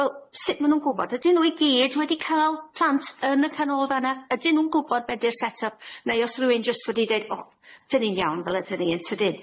Wel sut ma' n'w'n gwbod ydyn n'w i gyd wedi ca'l plant yn y Canolfanna, ydyn n'w'n gwbod be' di'r set up neu os rywun jyst wedi deud o 'dyn ni'n iawn fel ydyn ni yn tydyn?